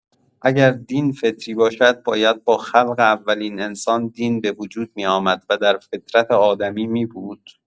اگر دین فطری باشد باید با خلق اولین انسان دین بوجود می‌آمد و در فطرت آدمی می‌بود؟